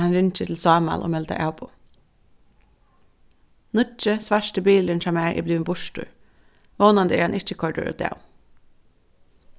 tá hann ringir til sámal og meldar avboð nýggi svarti bilurin hjá mær er blivin burtur vónandi er hann ikki koyrdur útav